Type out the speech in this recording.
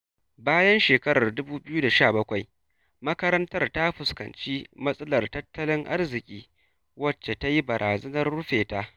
Bayan shekarar 2017, makarantar ta fuskanci matsalar tattalin arziƙi wacce ta yi barazanar rufe ta.